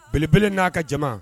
Belebele n'a ka jama